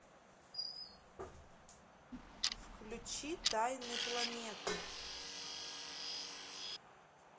включи тайны планеты